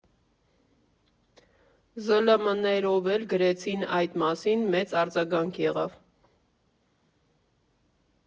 ԶԼՄ֊ներով էլ գրեցին այդ մասին, մեծ արձագանք եղավ։